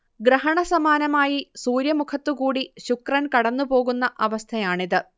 ഗ്രഹണസമാനമായി സൂര്യമുഖത്തുകൂടി ശുക്രൻ കടന്നുപോകുന്ന അവസ്ഥയാണിത്